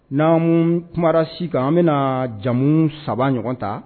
N'a mun kumana sisan an bɛna jamu 3 ɲɔgɔn ta.